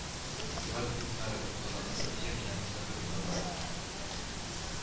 Фестиваль фильмнары Казанның берничә кинотеатрында бара